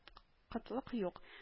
Кытлык юк